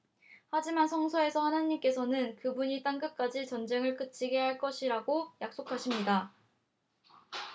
하지만 성서에서 하느님께서는 그분이 땅 끝까지 전쟁을 그치게 하실 것이라고 약속하십니다